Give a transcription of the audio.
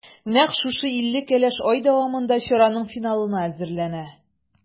Нәкъ шушы илле кәләш ай дәвамында чараның финалына әзерләнә.